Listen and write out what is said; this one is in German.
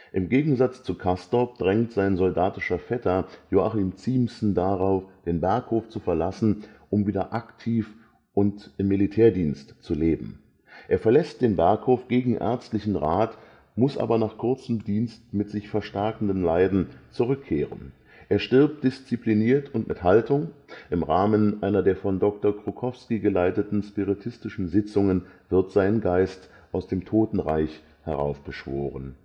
Im Gegensatz zu Castorp drängt sein soldatischer Vetter Joachim Ziemßen darauf, den Berghof zu verlassen, um wieder aktiv und im Militärdienst zu leben. Er verlässt den Berghof gegen ärztlichen Rat, muss aber nach kurzem Dienst mit sich verstärkenden Leiden zurückkehren. Er stirbt diszipliniert und mit Haltung. Im Rahmen einer der von Dr. Krokowski geleiteten spiritistischen Sitzungen wird sein Geist aus dem Totenreich heraufbeschworen